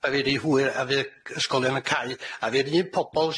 a fy' rhy hwyr a fy'r ysgolion yn cau a fy'r un pobol